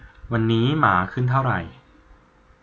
วันนี้หมาขึ้นเท่าไหร่